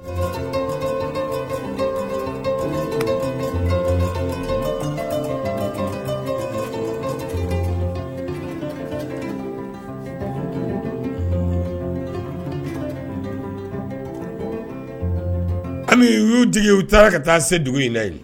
U y'u dege u taara ka taa se dugu in la yen